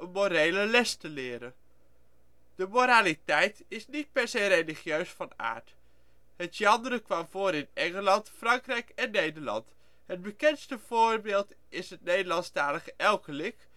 morele les te leren. De moraliteit is niet per se religieus van aard. Het genre kwam voor in Engeland, Frankrijk en Nederland. Het bekendste voorbeeld is het Nederlandstalige Elckerlijc